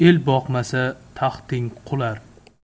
el boqmasa taxting qular